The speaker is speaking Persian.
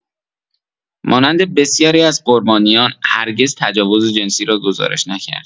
مانند بسیاری از قربانیان، هرگز تجاوز جنسی را گزارش نکرد.